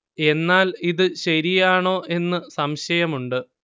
എന്നാല് ഇതു ശരിയാണോ എന്നു സംശയമുണ്ട്